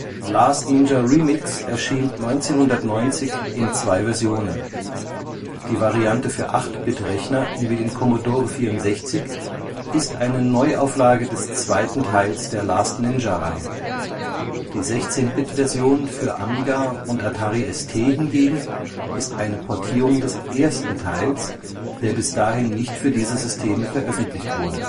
Last Ninja Remix erschien 1990 in zwei Versionen. Die Variante für 8-Bit-Rechner, wie den Commodore 64, ist eine Neuauflage des zweiten Teils der Last-Ninja-Reihe. Die 16-Bit-Version für Amiga und Atari ST hingegen ist eine Portierung des ersten Teils, der bis dahin nicht für diese Systeme veröffentlicht wurde